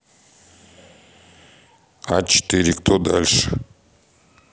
а четыре кто дольше